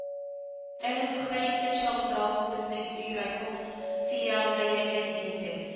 Әле Зөһрә исән чагында ук безнең өй райком филиалына әйләнгән иде инде